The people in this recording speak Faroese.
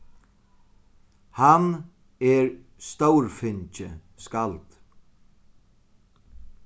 hann er stórfingið skald